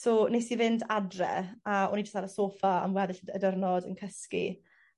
so 'nes i fynd adre a o'n i jys ar y soffa am weddill d- y di'rnod yn cysgu.